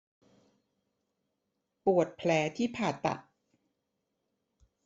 ปวดแผลที่ผ่าตัด